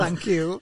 Thank you.